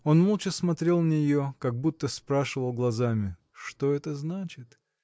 Он молча смотрел на нее, как будто спрашивал глазами: Что это значит?